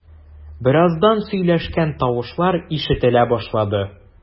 Бераздан сөйләшкән тавышлар ишетелә башлады.